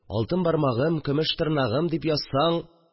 «алтын бармагым, көмеш тырнагым», – дип язсаң,